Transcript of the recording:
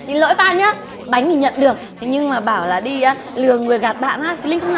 xin lỗi phan nhá bánh thì nhận được thế nhưng mà bảo là đi á lừa người gạt bạn á thì linh không